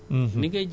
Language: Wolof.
effectivement